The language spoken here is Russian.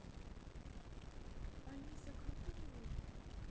алиса крутой